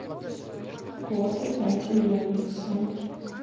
кто создатель яндекса